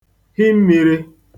hi mmīrī